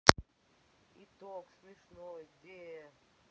итог смешной где